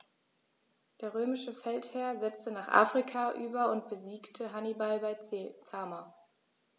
Der römische Feldherr setzte nach Afrika über und besiegte Hannibal bei Zama.